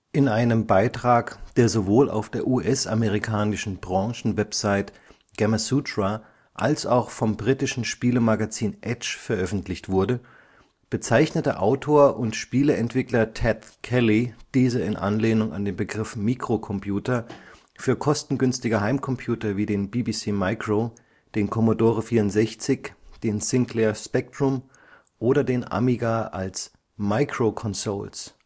In einem Beitrag, der sowohl auf der US-amerikanischen Branchenwebsite Gamasutra als auch vom britischen Spielemagazin Edge veröffentlicht wurde, bezeichnete Autor und Spieleentwickler Tadgh Kelly diese in Anlehnung an den Begriff Mikrocomputer für kostengünstige Heimcomputer wie den BBC Micro, den Commodore 64, den Sinclair Spectrum oder den Amiga als „ microconsoles